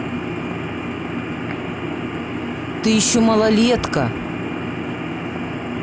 ты еще малолетка